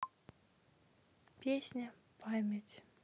песня память